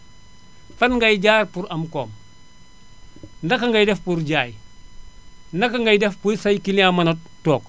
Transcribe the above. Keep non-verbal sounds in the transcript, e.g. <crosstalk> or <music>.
fan ngay jaar pour am koom <noise> naka ngay def pour jaay naka ngay def pour say clients mën a toog